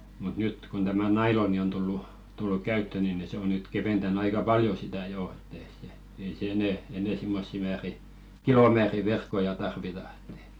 mutta nyt kun tämä nailon on tullut tullut käyttöön niin niin se on nyt keventänyt aika paljon sitä jo että ei se ei se enää enää semmoisia määriä kilomääriä verkkoja tarvita että ei